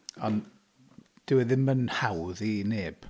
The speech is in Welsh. Ond, dyw e ddim yn hawdd i neb.